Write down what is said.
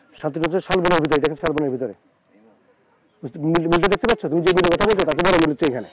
শান্তিনিকেতন শালবনের ভিতর দেখেন এটা শালবনের ভিতরে মিল টা দেখতে পাচ্ছ তুমি যে মিলের কথা বলছো বড় মিল হচ্ছে এখানে